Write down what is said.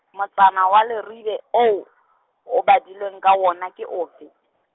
motsana wa Leribe oo , o badileng ka wona ke ofe?